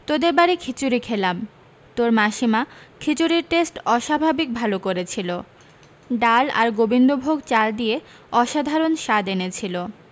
তোদের বাড়ী খিচুড়ি খেলাম তোর মাসিমা খিচুড়ির টেস্ট অস্বাভাবিক ভালো করেছিল ডাল আর গোবিন্দোভোগ চাল দিয়ে অসাধারণ স্বাদ এনেছিলো